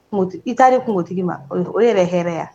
I t' de kuntigi ma o yɛrɛ hɛrɛɛ yan